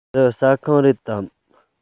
འདི ཟ ཁང རེད དམ